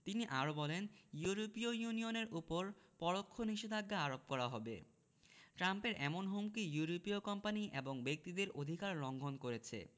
তিনি আরও বলেন ইউরোপীয় ইউনিয়নের ওপর পরোক্ষ নিষেধাজ্ঞা আরোপ করা হবে ট্রাম্পের এমন হুমকি ইউরোপীয় কোম্পানি এবং ব্যক্তিদের অধিকার লঙ্ঘন করেছে